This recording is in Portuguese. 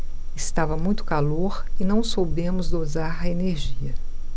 estava muito calor e não soubemos dosar a energia